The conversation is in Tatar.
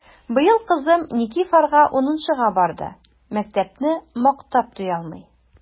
Быел кызым Никифарга унынчыга барды— мәктәпне мактап туялмый!